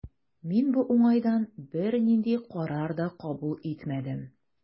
Мин бу уңайдан бернинди карар да кабул итмәдем.